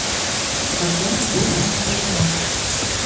когда родился наполеон